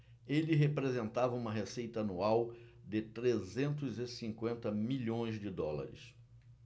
ele representava uma receita anual de trezentos e cinquenta milhões de dólares